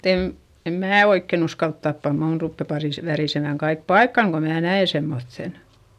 mutta en en minä oikein uskalla tappaa minun rupeaa - värisemään kaikki paikkani kun minä näen semmoisen